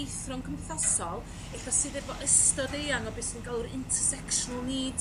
eithro'n cymdeithasol ella sydd efo ystod eang o be sy'n galw'n intersectional needs